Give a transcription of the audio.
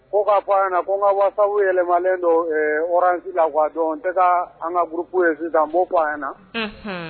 K' a ɲɛna wasa yɛlɛlen donsi la wa tɛ an ka burup ye sisan na